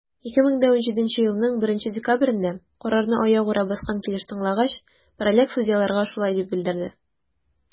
2017 елның 1 декабрендә, карарны аягүрә баскан килеш тыңлагач, праляк судьяларга шулай дип белдерде: